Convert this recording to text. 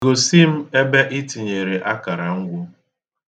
Gosi m ebe i tinyere akara ngwu.